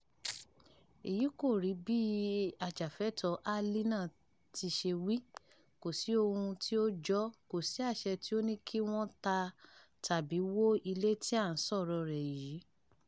Èyí kò rí bí ajàfẹ́tọ̀ọ́ AL náà ti ṣe wí, kò sí ohun tó jọ ọ́, kò sí àṣẹ tí ó ní kí wọ́n tà tàbí wó ilé tí à ń sọ̀rọ̀ọ rẹ̀ yìí.